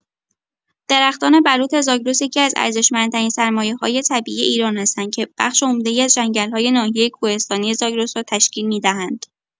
درختان بلوط زاگرس یکی‌از ارزشمندترین سرمایه‌‌های طبیعی ایران هستند که بخش عمده‌ای از جنگل‌های ناحیه کوهستانی زاگرس را تشکیل می‌دهند.